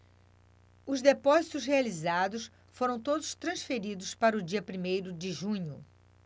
os depósitos realizados foram todos transferidos para o dia primeiro de junho